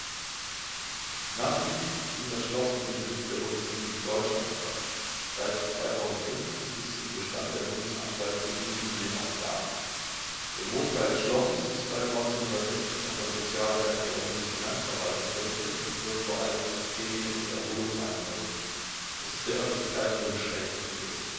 Nach dem Krieg ging das Schloss in den Besitz der Bundesrepublik Deutschland über. Seit 2005 ist es im Bestand der Bundesanstalt für Immobilienaufgaben. Der Großteil des Schlosses ist seit 1960 an das Sozialwerk der Bundesfinanzverwaltung vermietet und wird vor allem als Ferien - und Erholungsheim genutzt. Es ist der Öffentlichkeit nur beschränkt zugänglich